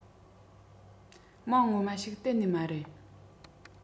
མིང ངོ མ ཞིག གཏན ནས མ རེད